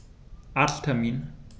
Arzttermin